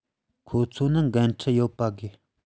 ཁོ ཚོ ནི འགན འཁྲི ཡོད པ དགོས